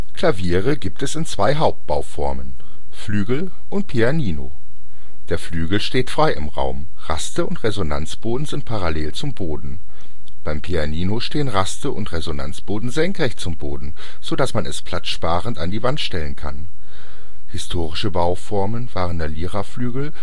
Klaviere gibt es in zwei Hauptbauformen: Flügel und Pianino. Der Flügel steht frei im Raum, Raste und Resonanzboden sind parallel zum Boden; beim Pianino stehen Raste und Resonanzboden senkrecht zum Boden, so dass man es platzsparend an die Wand stellen kann. Historische Bauformen waren der Lyraflügel